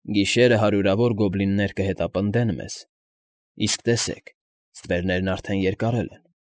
Գիշերը հարյուրավոր գոբլիններ կհետապնդեն մեզ, իսկ տեսեք, ստվերներն արդեն երկարել են։